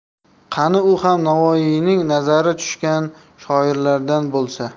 qani u ham navoiyning nazari tushgan shoirlardan bo'lsa